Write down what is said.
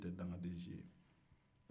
ne den tɛ dakanden si ye